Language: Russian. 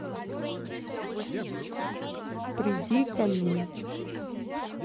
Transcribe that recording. приди ко мне